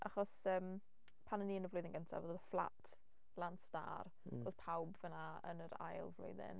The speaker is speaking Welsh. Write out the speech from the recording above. Achos yym pan o'n i yn y flwyddyn gyntaf, roedd y fflat lan star, roedd pawb fan'na yn yr ail flwyddyn.